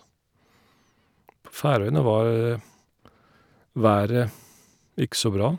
På Færøyene var været ikke så bra.